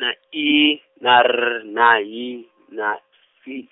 na I na R na H na F.